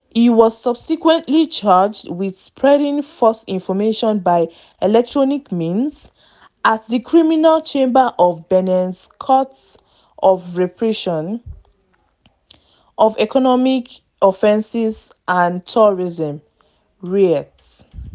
He was subsequently charged with “spreading false information by electronic means” at the Criminal Chamber of Benin’s Court of Repression of Economic Offenses and Terrorism CRIET).